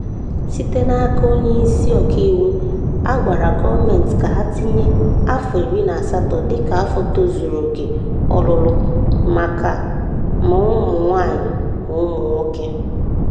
Site n'aka onyeisi ọkaiwu, a gwara gọọmentị ka ha tinye afọ 18 dịka afọ tozuru oke ọlụlụ maka ma ụmụ nwaanyị ma ụmụ nwoke.